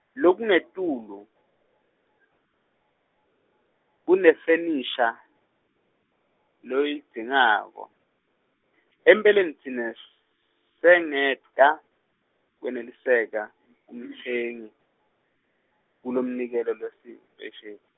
lokungetulu kunefenisha loyidzingako, empeleni tsine s- sengeta kweneliseka kumtsengi kulomnikelo losipesheli.